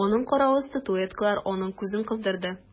Аның каравы статуэткалар аның күзен кыздырды.